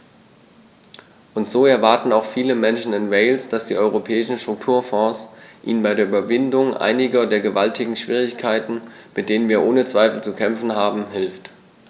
Und so erwarten auch viele Menschen in Wales, dass die Europäischen Strukturfonds ihnen bei der Überwindung einiger der gewaltigen Schwierigkeiten, mit denen wir ohne Zweifel zu kämpfen haben, hilft.